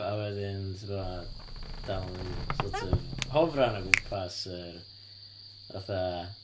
A wedyn, tibod mae o'n dal yn sort of hofran o gwmpas yr fatha...